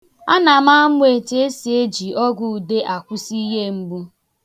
Ana m amụ etu e si eji ọgwụude akwụsị ihe mgbụ.